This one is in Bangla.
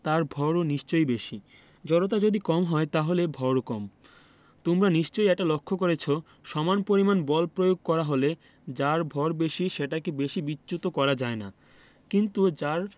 তার ভরও নিশ্চয়ই বেশি জড়তা যদি কম হয় তাহলে ভরও কম তোমরা নিশ্চয়ই এটা লক্ষ করেছ সমান পরিমাণ বল প্রয়োগ করা হলে যার ভর বেশি সেটাকে বেশি বিচ্যুত করা যায় না কিন্তু যার